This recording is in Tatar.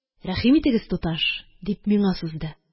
– рәхим итегез, туташ! – дип, миңа сузды.